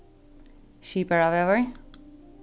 skiparavegur